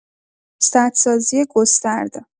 سدسازی گسترده